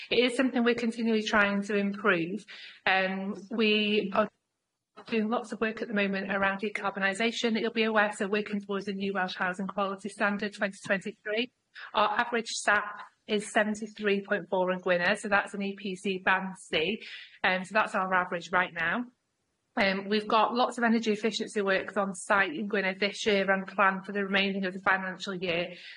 It is something we're continually trying to improve yym we are doing lots of work at the moment around decarbonisation, it'll be a waste of working towards a new Welsh housing quality standard twenty twenty three. Our average staff is seventy three point four in Gwynedd so that's an EPC fancy and so that's our average right now. And we've got lots of energy efficiency works on site in Gwynedd this year around the plan for the remaining of the financial year.